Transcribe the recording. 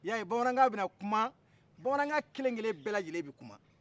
i ya ye bamanankan bɛna kuma bamanan kan kelen kelen bɛ bi kuma